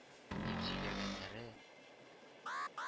Дип сөйләгәннәре– д